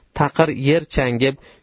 taqir yer changib